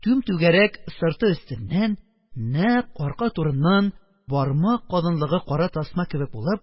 Түм-түгәрәк сырты өстеннән, нәкъ арка турыннан, бармак калынлыгы кара тасма кебек булып,